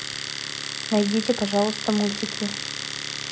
найдите пожалуйста мультики